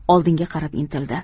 oldinga qarab intildi